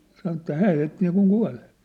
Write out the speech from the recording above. sanoi että hän heitti niin kuin kuolleeksi